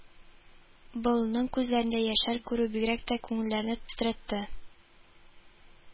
Боллның күзләрендә яшьләр күрү бигрәк тә күңелләрне тетрәтте